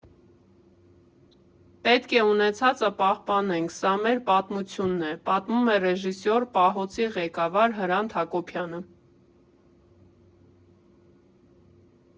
Պետք է ունեցածը պահպանենք, սա մեր պատմությունն է», ֊ պատմում ռեժիսոր, պահոցի ղեկավար Հրանտ Հակոբյանը։